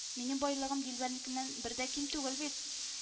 Минем байлыгым Дилбәрнекеннән бер дә ким түгел бит